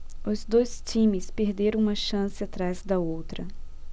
os dois times perderam uma chance atrás da outra